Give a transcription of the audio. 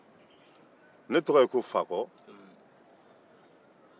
ne tɔgɔ ye ko fakɔ